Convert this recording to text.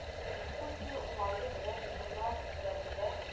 Дискуссия уңае белән журнал битләрендә